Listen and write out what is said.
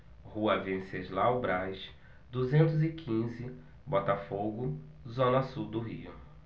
rua venceslau braz duzentos e quinze botafogo zona sul do rio